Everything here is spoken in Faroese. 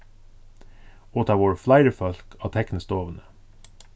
og tað vóru fleiri fólk á teknistovuni